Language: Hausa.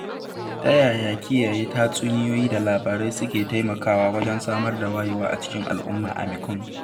Ta yaya kiyaye tatsuniyoyi da labarai suke taimakawa wajen samar da wayewa a cikin al'umma a Mekong